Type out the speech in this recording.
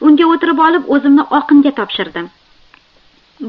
unga o'tirib olib o'zimni oqinga topshirdim